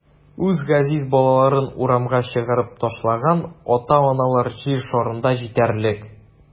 Үз газиз балаларын урамга чыгарып ташлаган ата-аналар җир шарында җитәрлек.